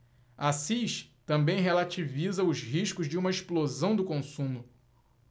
assis também relativiza os riscos de uma explosão do consumo